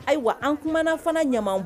Ayiwa anumana fana ɲama